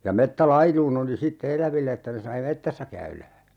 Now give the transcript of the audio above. ja metsälaidun oli sitten eläville että sai metsässä käydä